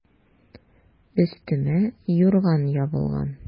Өстемә юрган ябылган.